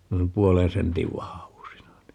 noin puolen sentin vahvuisina niin